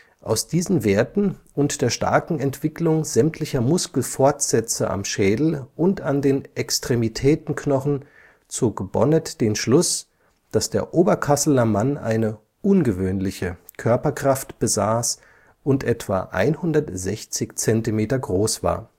Aus diesen Werten und der starken Entwicklung sämtlicher Muskelfortsätze am Schädel und an den Extremitätenknochen zog Bonnet den Schluss, dass der Oberkasseler Mann eine „ ungewöhnliche “Körperkraft besaß und etwa 160 cm groß war